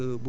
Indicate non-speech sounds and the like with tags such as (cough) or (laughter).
(hesitation) (hesitation)